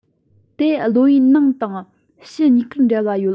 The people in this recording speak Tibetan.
དེ གློ བའི ནང དང ཕྱི གཉིས ཀར འབྲེལ བ ཡོད